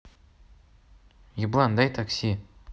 еблан дай такси